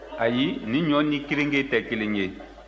ayi nin ɲɔ ni kerenge tɛ kelen ye